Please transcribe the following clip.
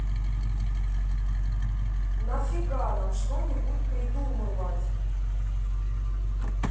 нафига нам что нибудь придумывать